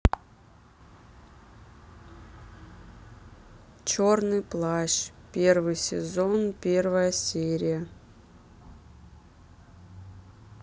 черный плащ первый сезон первая серия